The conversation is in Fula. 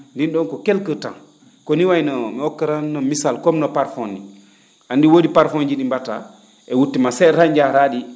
Ndiin ?oon ko quelque temps ko nii wayi no mi okka ran misal comme no parfum ni anndi woodi parfum ji ?i mbattaa e wutte ma see?a ran jaharaa ?i